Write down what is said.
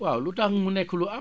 waaw lu tax mu nekk lu am